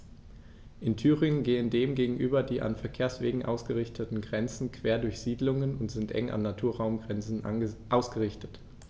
In Thüringen gehen dem gegenüber die an Verkehrswegen ausgerichteten Grenzen quer durch Siedlungen und sind eng an Naturraumgrenzen ausgerichtet.